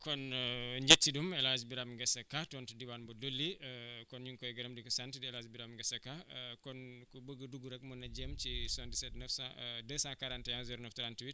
kon El Hadj Birame Ngese Ka tontu diwaan bu Doli ñu ngi koy gërëm di ko sant di El Hadj Birame Ngese Ka kon ku bëgg a dugg rek mun na jéem ci 77 900 241 09 38